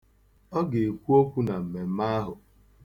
Ọ ga-ekwu okwu na mmemme ahụ.